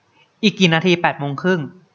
อีกกี่นาทีแปดโมงครึ่ง